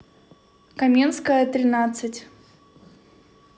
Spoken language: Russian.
каменская тринадцать